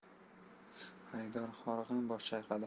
xaridor horg'in bosh chayqadi